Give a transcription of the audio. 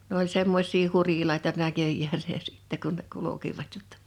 ne oli semmoisia hurilaita näköjään ja sitten kun ne kulkivat jotta